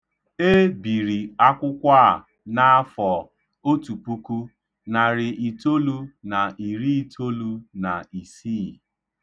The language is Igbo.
E biri akwụkwọ a n'afọ 1996.